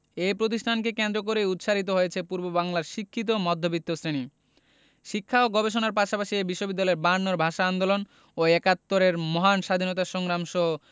এ প্রতিষ্ঠানকে কেন্দ্র করেই উৎসারিত হয়েছে পূর্ববাংলার শিক্ষিত মধ্যবিত্ত শ্রেণি শিক্ষা ও গবেষণার পাশাপাশি এ বিশ্ববিদ্যালয় বায়ান্নর ভাষা আন্দোলন ও একাত্তরের মহান স্বাধীনতা সংগ্রাম সহ